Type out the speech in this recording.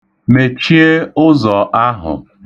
Mechie ụzọ ahụ.